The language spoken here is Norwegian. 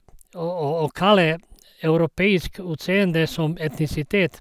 å å Å kalle europeisk utseende som etnisitet...